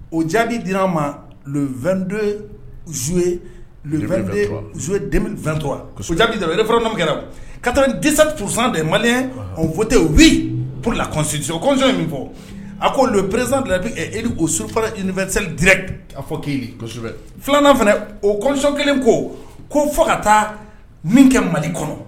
O jaabi dir' a ma 2dootɔ jaabikɛ ka taa disan de mali o fɔte yen wuli p walasadisɔn min fɔ a ko pere o sufa2 diɛrɛ ka fɔ kesɛbɛ filanan fana o kɔsɔn kelen ko ko fɔ ka taa min kɛ mali kɔnɔ